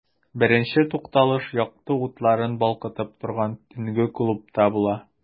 Беренче тукталыш якты утларын балкытып торган төнге клубта була.